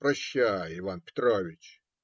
Прощай, Иван Петрович.